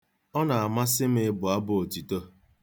Ọ na-amasị m ịbụ abụ otito.